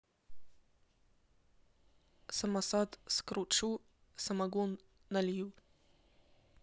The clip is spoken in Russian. самосад скручу самогон налью